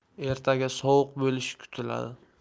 ertaga sovuq bo'lishi kutiladi